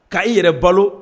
K' i yɛrɛ balo